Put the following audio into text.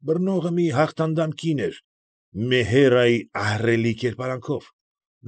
Բռնողը մի հաղթանդամ կին էր՝ Մեհերայի ահռելի կերպարանքով։